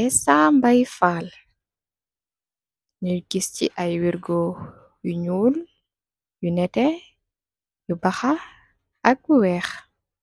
Essa Mbai Fall nu gis ay wirgo yu ñuul, yu netteh, yu baxa ak bu wèèx.